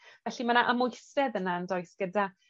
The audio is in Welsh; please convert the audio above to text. Felly ma' 'na amwysedd yna yndoes gyda